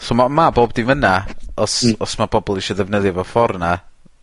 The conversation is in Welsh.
So ma' ma' bob dim yna os... Hmm. ...os ma' bobol isio defnyddio fo for 'na.